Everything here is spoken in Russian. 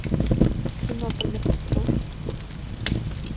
кино про мертвецов